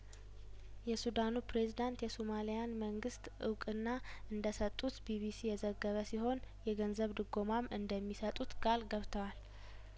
የሱዳኑ ፕሬዝዳንት የሱማሊያን መንግስት እውቅና እንደሰጡት ቢቢሲ የዘገበሲሆን የገንዘብ ድጐማም እንደሚሰጡት ቃል ገብተዋል